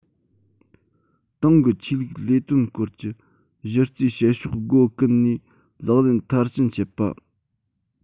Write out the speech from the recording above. ཏང གི ཆོས ལུགས ལས དོན སྐོར གྱི གཞི རྩའི བྱེད ཕྱོགས སྒོ ཀུན ནས ལག ལེན མཐར ཕྱིན བྱེད པ